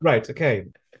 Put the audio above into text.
Right, ok.